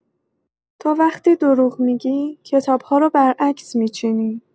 تو وقتی دروغ می‌گی، کتاب‌ها رو برعکس می‌چینی.